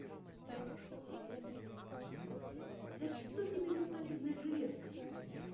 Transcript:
да что тебе бесполезная железка